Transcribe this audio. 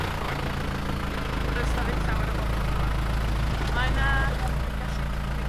Rŵan.Does 'na ddim llawer o bobol rŵan. Mae 'na, dwi' gallu cyfri